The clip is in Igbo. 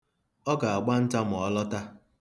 Ọ ga-agba nta ma ọ lọta.